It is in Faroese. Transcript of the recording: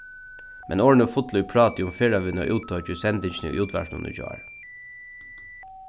men orðini fullu í práti um ferðavinnu á útoyggj í sending í útvarpinum í gjár